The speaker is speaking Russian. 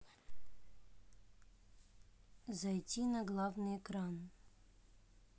зайди на главный экран